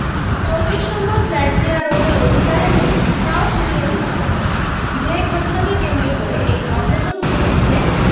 চোত্রিশ number flat যে আর ওদের অধিকারে নেই তাও শুনিয়ে দিলাম যে ঘটনাকে কেন্দ্র করে এই অঘটন ঘটেছে